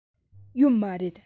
ཡོད མ རེད